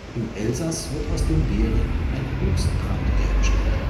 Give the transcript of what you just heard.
Im Elsass wird aus den Beeren ein Obstbrand, Baie de Houx, hergestellt